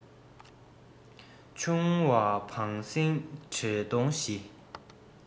ཆུང བ བམ སྲིང འདྲེ གདོང བཞི